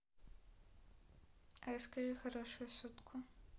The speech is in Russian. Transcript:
расскажи хорошую шутку